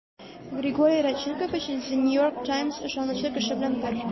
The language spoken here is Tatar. Григорий Родченков өчен The New York Times ышанычлы кеше белән бер.